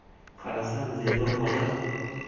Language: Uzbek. qarasam zebi xola